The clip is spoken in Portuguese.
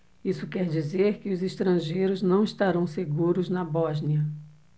isso quer dizer que os estrangeiros não estarão seguros na bósnia